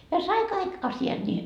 ja sai kaikki asiat niin